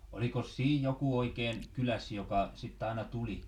olikos siinä joku oikein kylässä joka sitten aina tuli